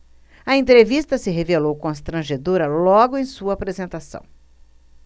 a entrevista se revelou constrangedora logo em sua apresentação